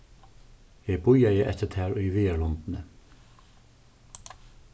eg bíðaði eftir tær í viðarlundini